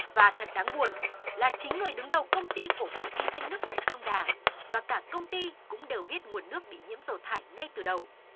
và thật đáng buồn là chính người đứng đầu công ty cổ phần kinh doanh nước sạch sông đà và cả công ty cũng đều biết nguồn nước bị nhiễm dầu thải ngay từ đầu